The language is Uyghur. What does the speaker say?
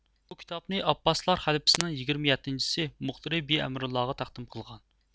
بۇ كىتابنى ئابباسلار خەلىپىسىنىڭ يىگىرمە يەتتىنچىسى مۇقتىرى بىئەمرۇللاغا تەقدىم قىلغان